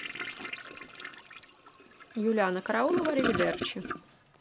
юлианна караулова аривидерчи